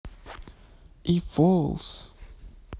и foals